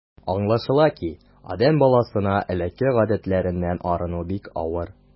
Аңлашыла ки, адәм баласына элекке гадәтләреннән арыну бик авыр.